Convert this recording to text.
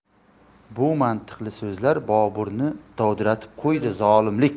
bu mantiqli so'zlar boburni dovdiratib qo'ydi zolimlik